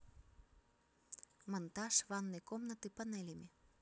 монтаж ванной комнаты панелями